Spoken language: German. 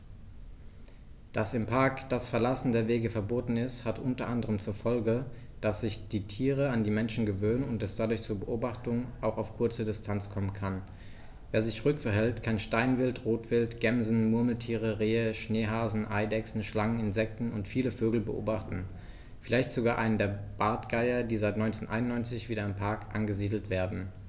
Dass im Park das Verlassen der Wege verboten ist, hat unter anderem zur Folge, dass sich die Tiere an die Menschen gewöhnen und es dadurch zu Beobachtungen auch auf kurze Distanz kommen kann. Wer sich ruhig verhält, kann Steinwild, Rotwild, Gämsen, Murmeltiere, Rehe, Schneehasen, Eidechsen, Schlangen, Insekten und viele Vögel beobachten, vielleicht sogar einen der Bartgeier, die seit 1991 wieder im Park angesiedelt werden.